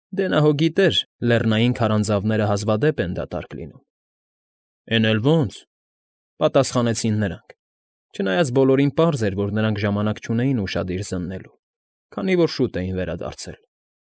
Դե նա հո գիտեր՝ լեռնային քարանձավները հազվադեպ են դատարկ լինում։ ֊ Էն էլ ո՜նց,֊ պատասխանեցին նրանք, չնայած բոլորին պարզ էր, որ նրանք ժամանակ չունեին ուշադիր զննելու, քանի որ շուտ էին վերադարձել։